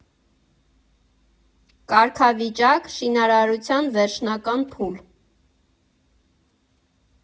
Կարգավիճակ՝ Շինարարության վերջնական փուլ։